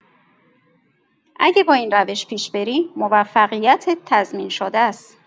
اگه با این روش پیش بری، موفقیتت تضمین‌شده ست.